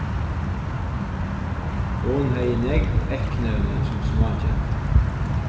hon hevði nógv eyknevni sum smágenta